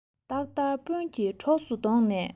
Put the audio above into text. བདག ཏར ཝུན གྱི གྲོགས སུ བསྡོངས ནས